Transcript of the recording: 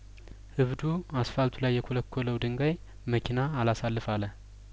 እብዱ አስፋልቱ ላይ የኰለኰለው ድንጋይ መኪና አላሳልፍ አለ